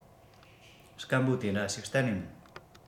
སྐམ པོ དེ འདྲ ཞིག གཏན ནས མིན